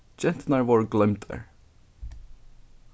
genturnar vóru gloymdar